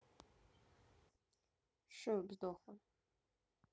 shoppe сдохла